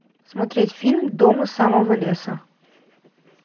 смотреть фильм дом у самого леса